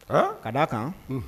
Ka d' a kan